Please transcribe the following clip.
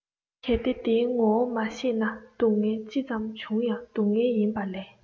གལ ཏེ དེའི ངོ བོ མ ཤེས ན སྡུག བསྔལ ཅི ཙམ འབྱུང ཡང སྡུག བསྔལ ཡིན པ ལས